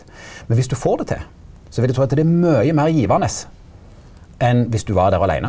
men viss du får det til så vil eg tru at det er mykje meir givande enn viss du var der aleine.